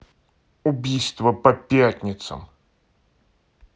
убийство по пятницам